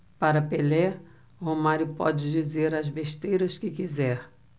para pelé romário pode dizer as besteiras que quiser